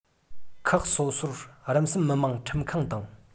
ཁག སོ སོར རིམ གསུམ མི དམངས ཁྲིམས ཁང དང